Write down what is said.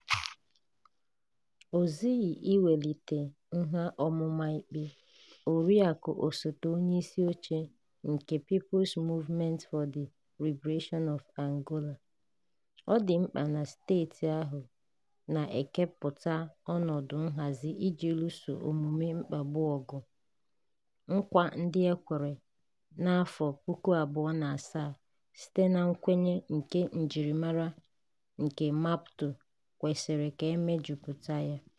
O zughị iwelite nha ọmụma ikpe, Oriakụ osote onye isi oche nke MPLA [People's Movement for the Liberation of Angola], ọ dị mkpa na steeti ahụ na-ekepụta ọnọdụ nhazi iji luso omume mkpagbu ọgụ - nkwa ndị e kwere na 2007 site na nkwenye nke njirimara nke Maputo kwesịrị ka emejupụta ya.